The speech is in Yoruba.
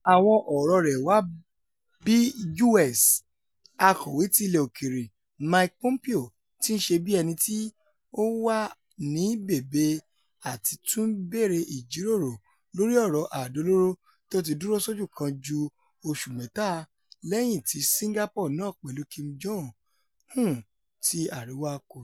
Àwọn ọ̀rọ̀ rẹ̀ wá bí US. Akọwe ti Ilẹ̀ Òkèèrè Mike Pompeo ti ńṣe bí ẹnití ó wà ní bèbe àtítúnbẹ̀rẹ̀ ìjíròrò lórí ọ̀rọ̀ àdó olóró tóti dúró sójú kan ju oṣù mẹ́ta lẹ́yìn ti Singapore náà pẹ̀lú Kim Jong Un ti Àríwá Kòríà.